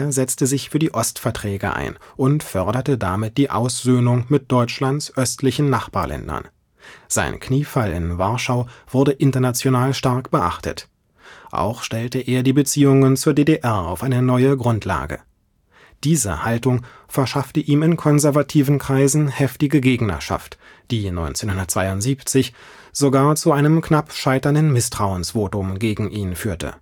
setzte sich für die Ostverträge ein und förderte damit die Aussöhnung mit Deutschlands östlichen Nachbarländern; sein Kniefall in Warschau wurde international stark beachtet. Auch stellte er die Beziehungen zur DDR auf eine neue Grundlage. Diese Haltung verschaffte ihm in konservativen Kreisen heftige Gegnerschaft, die 1972 sogar zu einem knapp scheiternden Misstrauensvotum gegen ihn führte